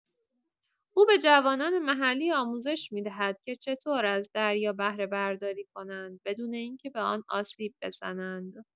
او به جوانان محلی آموزش می‌دهد که چطور از دریا بهره‌برداری کنند بدون اینکه به آن آسیب بزنند.